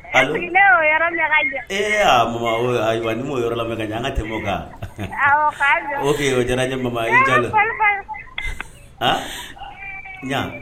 Ni'o yɔrɔ yanga tɛmɛ ojɛ mama yan